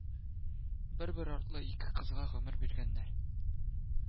Бер-бер артлы ике кызга гомер биргәннәр